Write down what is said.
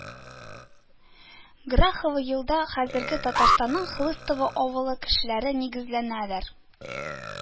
Грахово елда хәзерге Татарстанның Хлыстово авылы кешеләре нигезләнәләр